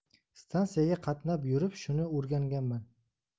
stansiyaga qatnab yurib shuni o'rganganman